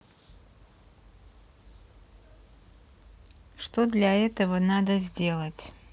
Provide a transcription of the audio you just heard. что для этого надо сделать